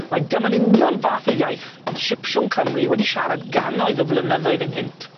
mae dyma'n union fath o iaith o'dd Sipsiwn Cymru wedi siarad gannoedd o flynyddoedd ynghynt.